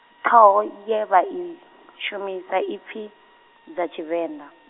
ṱhoho ye vhai, shumisa i pfi, dza Tshivenḓa.